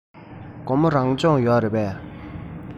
དགོང མོ རང སྦྱོང ཡོད རེད པས